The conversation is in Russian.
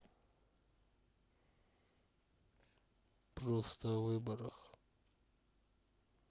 просто о выборах